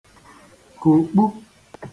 -kùkpu